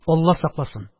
Алла сакласын